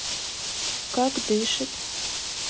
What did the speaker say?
как дышит